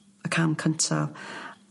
y cam cynta